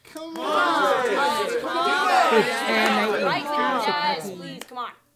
ปิดแอร์ในอีกห้าสิบนาที